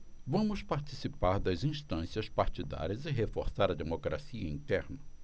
vamos participar das instâncias partidárias e reforçar a democracia interna